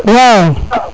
waaw